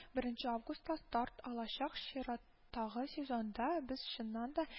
Беренче августта старт алачак чираттагы сезонда без чыннан да